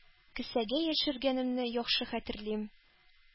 Кесәгә яшергәнемне яхшы хәтерлим.